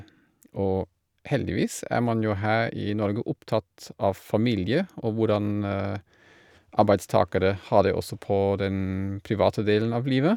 Og heldigvis er man jo her i Norge opptatt av familie og hvordan arbeidstakere har det også på den private delen av livet.